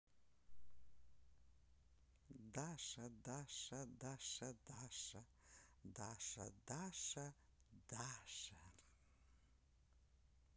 даша даша даша даша даша даша даша